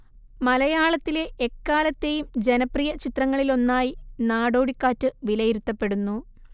മലയാളത്തിലെ എക്കാലത്തെയും ജനപ്രിയ ചിത്രങ്ങളിലൊന്നായി നടോടിക്കാറ്റ് വിലയിരുത്തപ്പെടുന്നു